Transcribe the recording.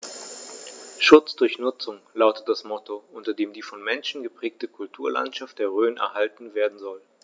„Schutz durch Nutzung“ lautet das Motto, unter dem die vom Menschen geprägte Kulturlandschaft der Rhön erhalten werden soll.